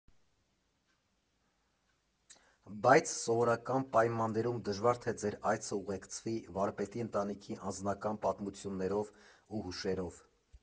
Բայց սովորական պայմաններում դժվար թե ձեր այցը ուղեկցվի վարպետի ընտանիքի անձնական պատմություններով ու հուշերով։